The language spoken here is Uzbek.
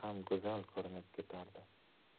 ham go'zal ko'rinib ketardi